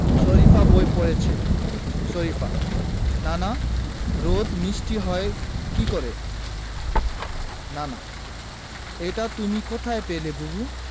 শরিফা বই পড়ছে শরিফা নানা রোদ মিষ্টি হয় কী করে নানা এটা তুমি কোথায় পেলে বুবু